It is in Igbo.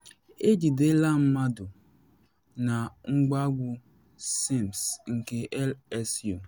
Ejidela mmadụ na mgbagbụ Sims nke LSU